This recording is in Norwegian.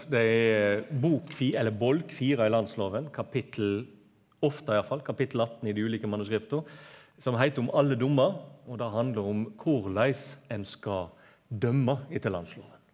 det er bok eller bolk fire i landsloven kapittel ofte iallfall kapittel 18 i dei ulike manuskripta som heiter Om alle dommar og det handlar om korleis ein skal dømme etter landsloven.